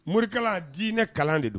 Morikala diinɛ kalan de don